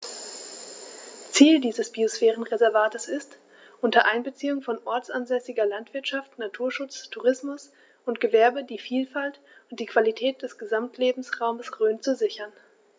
Ziel dieses Biosphärenreservates ist, unter Einbeziehung von ortsansässiger Landwirtschaft, Naturschutz, Tourismus und Gewerbe die Vielfalt und die Qualität des Gesamtlebensraumes Rhön zu sichern.